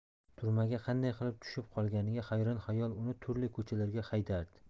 turmaga qanday qilib tushib qolganiga xayron xayol uni turli ko'chalarga haydardi